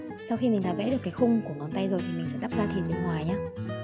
sau khi mình đã vẽ khung của bàn tay rồi thì mình sẽ đắp da thịt bên ngoài